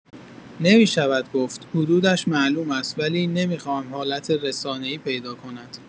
نمی‌شود گفت، حدودش معلوم است ولی نمی‌خواهم حالت رسانه‌ای پیدا کند.